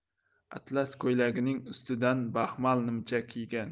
atlas ko'ylagining ustidan baxmal nimcha kiygan